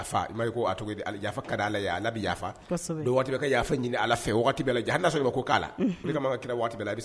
Ɲini